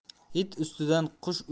it ustidan qush